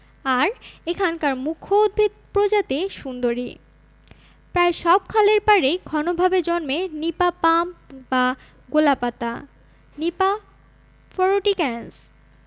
আর এখানকার মুখ্য উদ্ভিদ প্রজাতি সুন্দরী প্রায় সব খালের পাড়েই ঘনভাবে জন্মে নিপা পাম বা গোলাপাতা নিপা ফ্রুটিক্যান্স